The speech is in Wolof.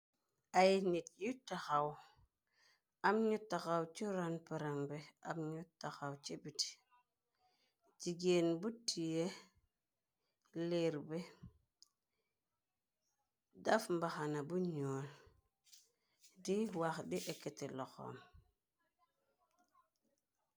Ay nit yu tahaw, am nu tahaw chi ron pèron bi, am nu tahaw ci biti. Jigéen bu tè liir bi, deff mbahana bu ñuul di wah di èkati lohom bi.